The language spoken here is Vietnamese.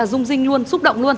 rung rinh luôn xúc động luôn